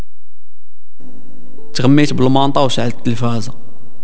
سميت بالمنطقه وسعد تلفازا